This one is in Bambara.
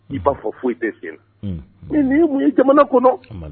I'a fɔ foyi tɛ sen nin ye mun ye jamana kɔnɔ